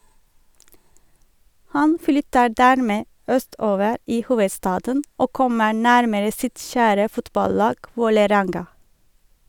Han flytter dermed østover i hovedstaden, og kommer nærmere sitt kjære fotballag Vålerenga.